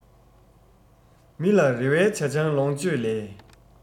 མི ལ རེ བའི ཇ ཆང ལོངས སྤྱོད ལས